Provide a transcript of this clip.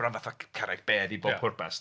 Bron fatha carreg bedd i bob pwrpas 'de.